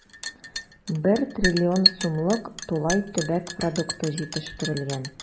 1 трлн сумлык тулай төбәк продукты җитештерелгән.